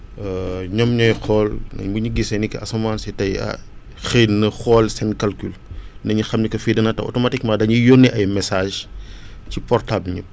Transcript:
ñoom ñooy xool ne bu ñu gisee ni que asamaan si tey ah xiina na xool seen calcul ne ñu xam ne que fii dana taw automatiquement dañuy yónni ay messages ci portables ñëpp